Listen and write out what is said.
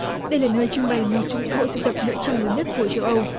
đây là nơi trưng bày một trong những bộ sưu tập nữ trang lớn nhất của châu âu